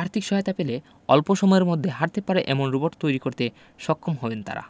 আর্থিক সহায়তা পেলে অল্প সময়ের মধ্যে হাঁটতে পারে এমন রোবট তৈরি করতে সক্ষম হবেন তারা